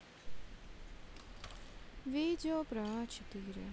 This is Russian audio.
видео про а четыре